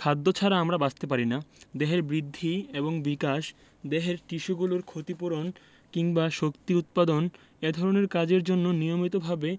খাদ্য ছাড়া আমরা বাঁচতে পারি না দেহের বৃদ্ধি এবং বিকাশ দেহের টিস্যুগুলোর ক্ষতি পূরণ কিংবা শক্তি উৎপাদন এ ধরনের কাজের জন্য নিয়মিতভাবে